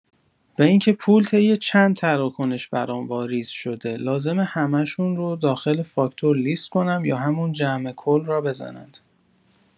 و اینکه پول طی چند تراکنش برام واریز شده، لازمه همشون را داخل فاکتور لیست کنم یا همون جمع کل را بزنند؟